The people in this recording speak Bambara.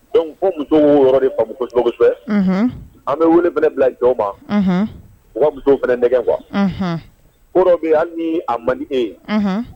Dɔnku ko muso yɔrɔ de ko jogosɛbɛ an bɛ wele bɛ bila jɔn ban muso fana nɛgɛgɛ kuwa ko bi hali ni a man e ye